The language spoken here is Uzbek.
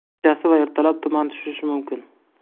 kechasi va ertalab tuman tushishi mumkin